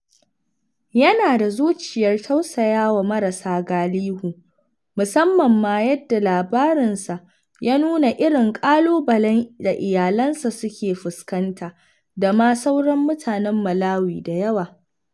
Yana da zuciyar tausaya wa marasa galiho, musamman ma yadda labarinsa ya nuna irin ƙalubalen da iyalansa suke fuskanta da ma sauran mutanen Malawi da yawa.